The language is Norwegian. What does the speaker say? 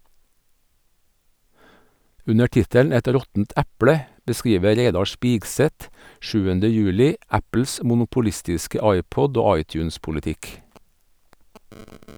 Under tittelen "Et råttent eple" beskriver Reidar Spigseth 7. juli Apples monopolistiske iPod- og iTunes-politikk.